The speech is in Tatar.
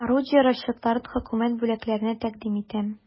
Орудие расчетларын хөкүмәт бүләкләренә тәкъдим итәм.